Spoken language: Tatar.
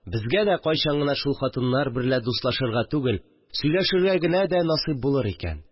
Безгә дә кайчан гына шул хатыннар берлә дустлашырга түгел, сөйләшергә генә дә насыйп булыр икән